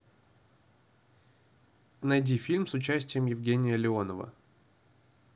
найди фильм с участием евгения леонова